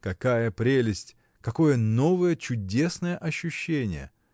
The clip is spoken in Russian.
Какая прелесть, какое новое, чудесное ощущение!